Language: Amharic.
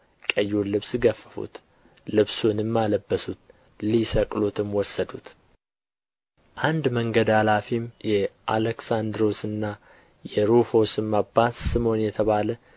ቀዩን ልብስ ገፈፉት ልብሱንም አለበሱት ሊሰቅሉትም ወሰዱት አንድ መንገድ አላፊም የአሌክስንድሮስና የሩፎስ አባት ስምዖን የተባለ